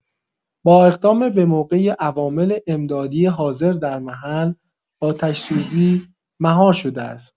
با اقدام به‌موقع عوامل امدادی حاضر در محل، آتش‌سوزی مهار شده است.